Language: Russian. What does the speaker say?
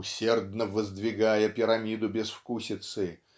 Усердно воздвигая пирамиду безвкусицы